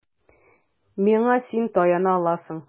Миңа син таяна аласың.